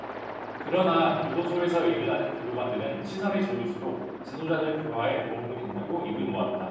그러나 교도소에서 일을 하는 교도관들은 시설이 좋을수록 재소자들 교화에 도움이 된다고 입을 모았다